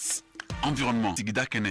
An jɔ sigida kɛnɛ